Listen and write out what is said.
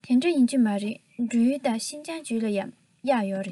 དེ འདྲ ཡིན གྱི མ རེད འབྲུག ཡུལ དང ཤིན ཅང རྒྱུད ལ ཡང གཡག ཡོད རེད